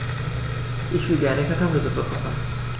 Ich will gerne Kartoffelsuppe kochen.